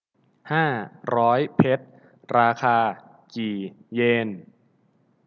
ห้าร้อยเพชรราคากี่เยน